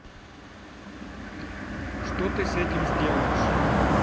что ты с этим сделаешь